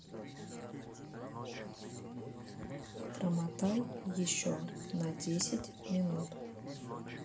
промотай еще на десять минут